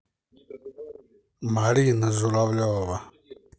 марина журавлева